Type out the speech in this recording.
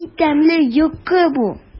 Нинди тәмле йокы бу!